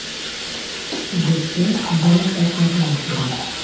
Бездә бай татарлар бар.